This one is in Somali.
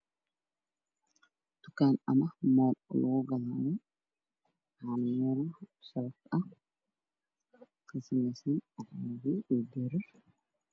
Dukaankaan waxaa lagu gadaa dharka noocyadiisa kala duwan waxaan kasoo gatay shaati cadaan iyo koofi madow iyo surwaal gaduud ah